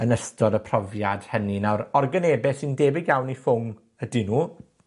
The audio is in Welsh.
yn ystod y profiad hynny. Naw'r organebau sy'n debyg iawn i ffwng ydyn nw.